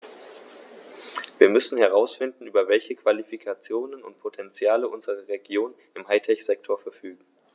Wir müssen herausfinden, über welche Qualifikationen und Potentiale unsere Regionen im High-Tech-Sektor verfügen.